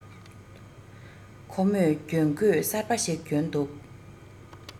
ཁོ མོས གྱོན གོས གསར པ ཞིག གྱོན འདུག